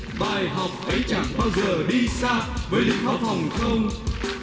bài học ấy chẳng bao giờ đi xa với lính các hàng không